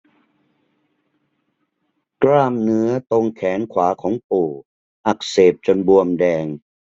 กล้ามเนื้อตรงต้นแขนขวาของปู่อักเสบจนบวมแดง